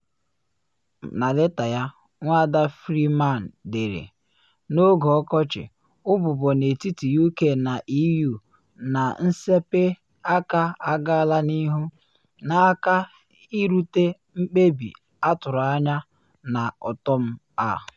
Na leta ya, Nwada Freeman dere: “N’oge ọkọchị, ụbụbọ n’etiti UK na EU na nsepụ aka agaala n’ihu, na aga irute mkpebi atụrụ anya n’ọtọm a.